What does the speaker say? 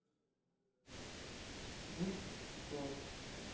мультик клад